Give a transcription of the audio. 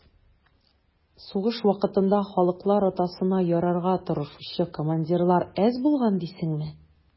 Сугыш вакытында «халыклар атасына» ярарга тырышучы командирлар әз булган дисеңме?